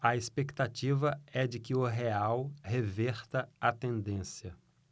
a expectativa é de que o real reverta a tendência